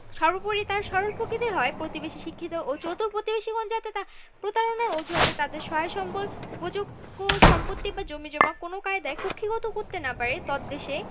সর্বপরি তারা সরল প্রকৃতির হওয়ায় প্রতিবেশী শিক্ষিত ও চতুর প্রতিবেশীগণ যাতে প্রতারণার অজুহাতে তাদের সহায় সম্ভল উপযোগ্য সম্পত্তি বা জমিজমা কোনও কায়দায় কুক্ষীগত করতে না পারে তদ্দেশে